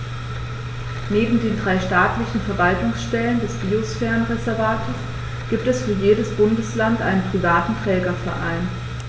Neben den drei staatlichen Verwaltungsstellen des Biosphärenreservates gibt es für jedes Bundesland einen privaten Trägerverein.